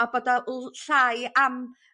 A bod o l- llai am